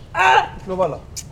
Aa tulo b'a la